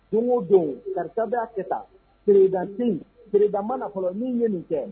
Don o don karisa bɛ kɛ beredfin bele mana fɔlɔ n ye nin kɛ